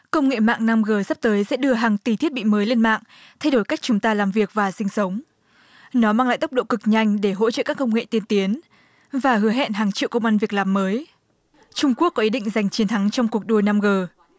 công nghệ mạng năm gờ sắp tới sẽ đưa hàng tỉ thiết bị mới lên mạng thay đổi cách chúng ta làm việc và sinh sống nó mang lại tốc độ cực nhanh để hỗ trợ các công nghệ tiên tiến và hứa hẹn hàng triệu công ăn việc làm mới trung quốc có ý định giành chiến thắng trong cuộc đua năm gờ